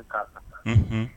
Un